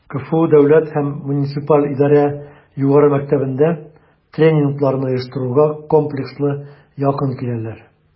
КФУ Дәүләт һәм муниципаль идарә югары мәктәбендә тренингларны оештыруга комплекслы якын киләләр: